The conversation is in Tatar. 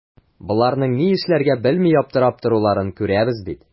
Боларның ни эшләргә белми аптырап торуларын күрәбез бит.